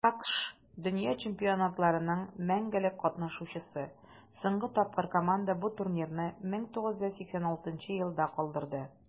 АКШ - дөнья чемпионатларының мәңгелек катнашучысы; соңгы тапкыр команда бу турнирны 1986 елда калдырды.